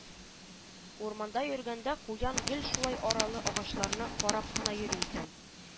Урманда йөргәндә куян гел шулай аралы агачларны карап кына йөри икән